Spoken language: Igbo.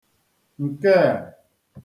ǹkeē